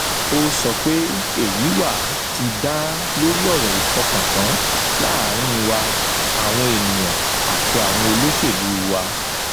Ó sọ pé, 'èyí wà ti dá lóri ọ̀rọ̀ ìfọkàntán láàrín wa - àwọn ènìyàn - àti àwọn olóṣèlú wa,' .